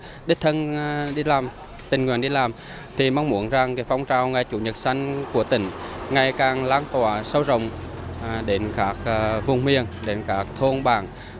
đích thân a đi làm tình nguyện đi làm thì mong muốn rằng cái phong trào ngày chủ nhật xanh của tỉnh ngày càng lan tỏa sâu rộng đến các à vùng miền đến các thôn bản